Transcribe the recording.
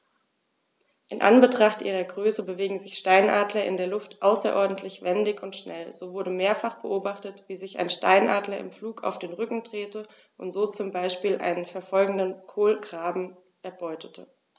In Anbetracht ihrer Größe bewegen sich Steinadler in der Luft außerordentlich wendig und schnell, so wurde mehrfach beobachtet, wie sich ein Steinadler im Flug auf den Rücken drehte und so zum Beispiel einen verfolgenden Kolkraben erbeutete.